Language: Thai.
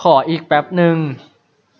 ขออีกแปปนึง